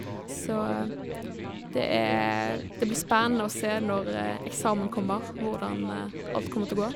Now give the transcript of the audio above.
Så det er det blir spennende å se når eksamen kommer, hvordan alt kommer til å gå.